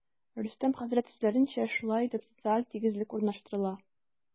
Рөстәм хәзрәт сүзләренчә, шулай итеп, социаль тигезлек урнаштырыла.